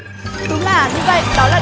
đúng là như vậy đó